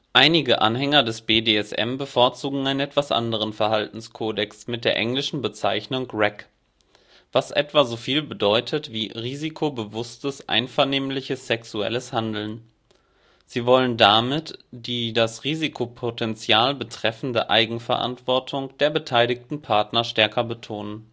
Einige Anhänger des BDSM bevorzugen einen etwas anderen Verhaltenskodex mit der englischen Bezeichnung RACK (risk aware consensual kink), was etwa soviel bedeutet wie risikobewusstes einvernehmliches sexuelles Handeln; sie wollen damit die das Risikopotenzial betreffende Eigenverantwortung der beteiligten Partner stärker betonen